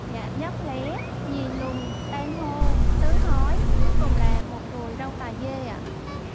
dạ nhất lé nhì lùn tam hô tứ hói cuối cùng là mụn ruồi răng tà dê ạ